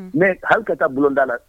Mɛ hali ka taa bulonda la